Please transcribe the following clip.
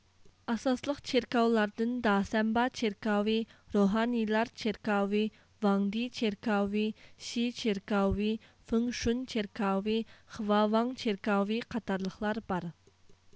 ئاساسلىق چېركاۋلاردىن داسەنبا چېركاۋى روھانىلار چېركاۋى ۋاڭدى چېركاۋى شى چېركاۋى فىڭشۇن چېركاۋى خۋاۋاڭ چېركاۋى قاتارلىقلار بار